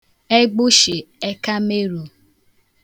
egbụshị̀ekameru